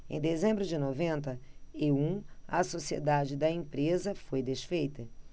em dezembro de noventa e um a sociedade da empresa foi desfeita